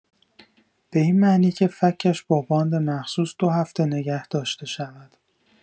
به این معنی که فک‌اش با باند مخصوص دو هفته نگه داشته شود.